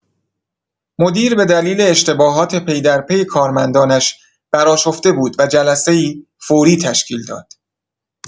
مدیر به دلیل اشتباهات پی‌درپی کارمندانش برآشفته بود و جلسه‌ای فوری تشکیل داد.